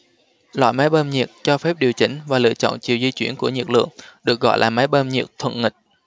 loại máy bơm nhiệt cho phép điều chỉnh và lựa chọn chiều di chuyển của nhiệt lượng được gọi là máy bơm nhiệt thuận nghịch